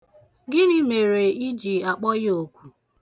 Gịnị mere ị ji akpọ ya oku.